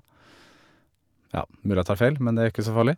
Ja, mulig jeg tar feil, men det er jo ikke så farlig.